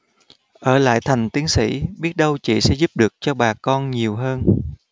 ở lại thành tiến sĩ biết đâu chị sẽ giúp được cho bà con nhiều hơn